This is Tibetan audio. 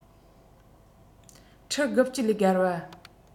ཁྲི ༩༠ ལས བརྒལ བ